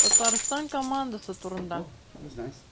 Татарстан командасы турында.